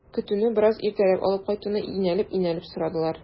Көтүне бераз иртәрәк алып кайтуны инәлеп-инәлеп сорадылар.